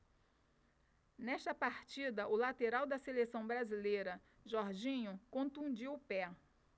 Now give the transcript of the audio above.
nesta partida o lateral da seleção brasileira jorginho contundiu o pé